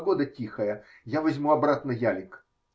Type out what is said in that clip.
Погода тихая, я возьму обратно ялик.